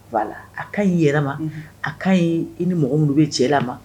A k ka' yɛrɛ ma a' i ni mɔgɔ minnu bɛ cɛ la ma